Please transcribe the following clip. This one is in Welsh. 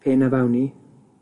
Pe na fawn i